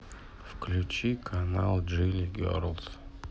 включи канал джили герлс